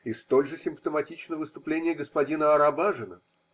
И столь же симптоматично выступление господина Арабажина.